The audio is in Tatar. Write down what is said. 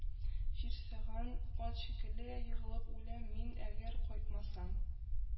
Җирсәгән ат шикелле егылып үләм мин, әгәр кайтмасаң